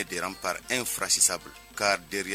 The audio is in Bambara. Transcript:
P ye filasi bolo k' d